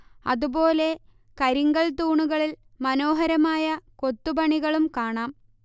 അതുപോലെ കരിങ്കൽ തൂണുകളിൽ മനോഹരമായ കൊത്തുപണികളും കാണാം